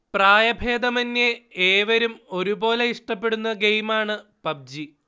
പ്രായഭേദമന്യേ ഏവരും ഒരുപോലെ ഇഷ്ടപെടുന്ന ഗെയിമാണ് പബ്ജി